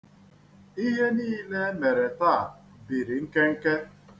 Ihe niile emere taa biri nkenke.